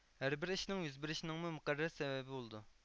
ھەربىر ئىشنىڭ يۈز بىرىشىنىڭمۇ مۇقەررەر سەۋەبى بولىدۇ